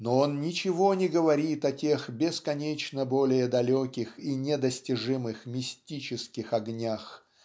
Но он ничего не говорит о тех бесконечно более далеких и недостижимых мистических огнях